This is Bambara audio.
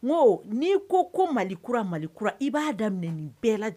N n'i ko ko malikura malikura i b'a daminɛ ni bɛɛ la